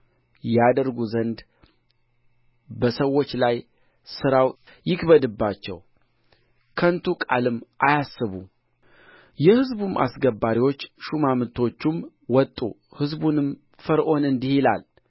ያደርጉ ዘንድ በሰዎች ላይ ሥራው ይክበድባቸው ከንቱ ቃልም አያስቡ የሕዝቡም አስገባሪዎች ሹማምቶቹም ወጡ ሕዝቡንም ፈርዖን እንዲህ ይላል